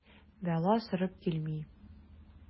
Бәла сорап килми.